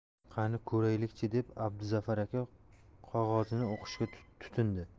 qani ko'raylikchi deb abduzafar aka qog ozni o'qishga tutindi